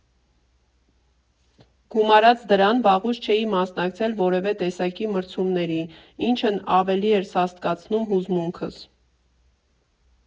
Գումարած դրան՝ վաղուց չէի մասնակցել որևէ տեսակի մրցումների, ինչն ավելի էր սաստկացնում հուզմունքս։